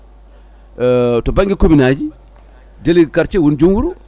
to banggue commune aji délégué quartier woni joom wuuro